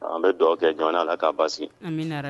An bɛ dɔgɔ kɛ jamana la k'a basi